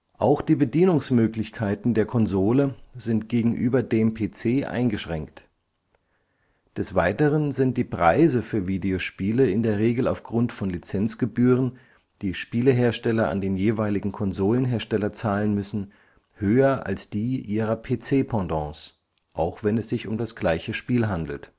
Auch die Bedienungsmöglichkeiten der Konsole sind gegenüber dem PC eingeschränkt. Des Weiteren sind die Preise für Videospiele in der Regel aufgrund von Lizenzgebühren, die Spielehersteller an den jeweiligen Konsolenhersteller zahlen müssen, höher als die ihrer PC-Pendants (auch wenn es sich um das gleiche Spiel handelt